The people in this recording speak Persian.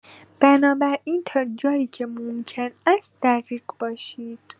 بنابراین تا جایی که ممکن است دقیق باشید.